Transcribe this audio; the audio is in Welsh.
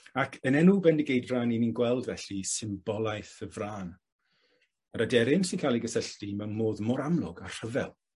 Ac yn enw Bendigeidfran 'yn ni'n gweld felly symbolaeth y frân, yr aderyn sy'n ca'l 'i gysylltu mewn modd mor amlwg â rhyfel.